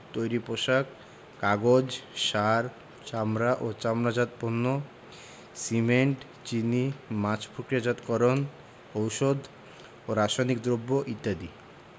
তৈরি পোশাক কাগজ সার চামড়া ও চামড়াজাত পণ্য সিমেন্ট চিনি মাছ প্রক্রিয়াজাতকরণ ঔষধ ও রাসায়নিক দ্রব্য ইত্যাদি